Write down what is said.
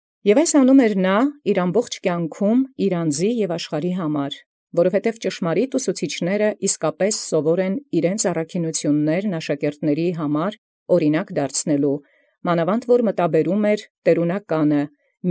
Եւ զայս առնէր զամենայն ժամանակս իւր վասն անձին և վասն աշխարհի. քանզի սովոր իսկ են ճշմարիտ վարդապետք՝ զանձանց առաքինութիւնս կանոն աշակերտելոցն դնել, մանաւանդ յուշ առնելով զտէրունականն՝